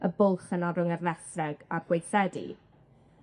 y bwlch yna rhwng y rethreg a'r gweithredu.